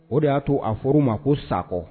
O de y'a to a furu'ma ko Sakɔ !